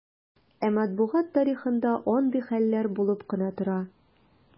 Ә матбугат тарихында андый хәлләр булып кына тора.